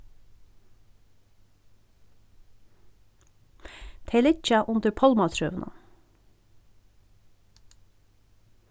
tey liggja undir pálmatrøunum